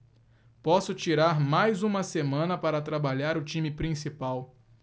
posso tirar mais uma semana para trabalhar o time principal